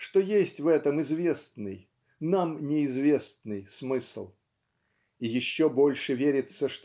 что есть в этом известный нам не известный смысл. И еще больше верится